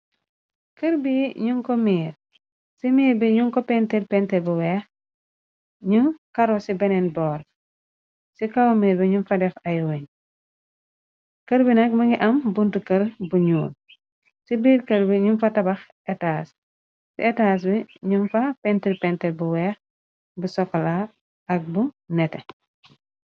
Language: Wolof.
Kerr bi ñu ko miir, ci miir bi ñu ko pentir pentir bu weex ñu karo ci benen borr. Ci kaw miir bi ñum fa deff ay weñ. Kerr bi nak mun ngi am buntu kër bu ñuul, ci biir keer bi ñum fa tabax étaas. Ci étaas bi ñum fa pentir pentir bu weex, bu sokola ak bu nete.